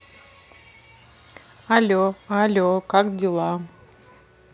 але але как дела